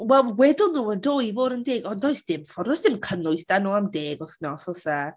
Wel wedon nhw yn do? I fod yn deg ond does dim ffordd does dim cynnwys 'da nhw am deg wythnos oes e?